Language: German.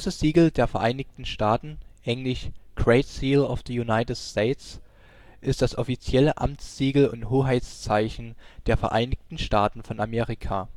Siegel der Vereinigten Staaten (engl. Great Seal of the United States) ist das offizielle Amtssiegel und Hoheitszeichen der Vereinigten Staaten von Amerika